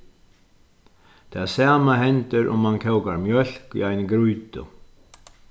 tað sama hendir um mann kókar mjólk í eini grýtu